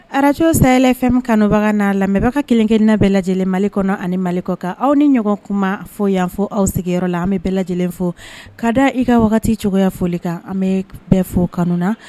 Ararajo sariyayɛlɛ fɛn kanubaga n'a lamɛnbaga ka kelen-kelenina bɛɛ lajɛlen mali kɔnɔ ani malikɔ kan aw ni ɲɔgɔn kuma fɔ yanfɔ aw sigiyɔrɔ la an bɛ bɛɛ lajɛlen fɔ ka da i ka wagati cogoya foli kan an bɛ bɛɛ fɔ ka na